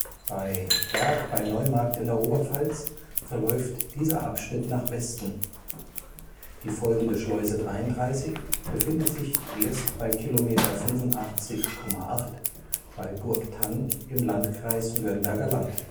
Bei Berg bei Neumarkt in der Oberpfalz verläuft dieser Abschnitt nach Westen. Die folgende Schleuse 33 befindet sich erst bei km 85,8 bei Burgthann im Landkreis Nürnberger Land